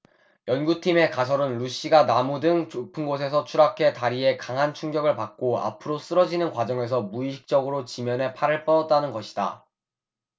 연구팀의 가설은 루시가 나무 등 높은 곳에서 추락해 다리에 강한 충격을 받고 앞으로 쓰러지는 과정에서 무의식적으로 지면에 팔을 뻗었다는 것이다